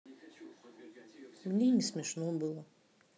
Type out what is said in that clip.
мне не смешно было